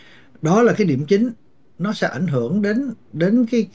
đó là cái điểm chính nó sẽ ảnh hưởng đến đến cái